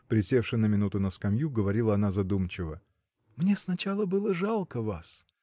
— присевши на минуту на скамью, говорила она задумчиво. — Мне сначала было жалко вас.